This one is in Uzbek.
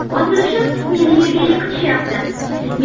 osilishib meni yerga yiqitishyapti